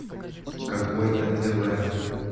какой нтв